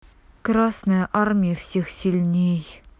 красная армия всех сильней